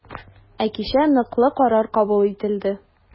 Ә кичә ныклы карар кабул ителде.